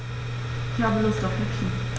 Ich habe Lust auf Häppchen.